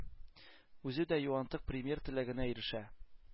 Үзе дә юантык премьер теләгенә ирешә